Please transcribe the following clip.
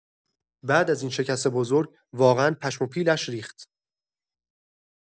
بعد از این شکست بزرگ، واقعا پشم و پیلش ریخت.